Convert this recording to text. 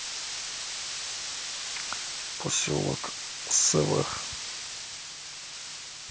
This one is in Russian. поселок свх